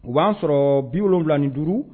O b'a sɔrɔ bi wolonwula ni duuru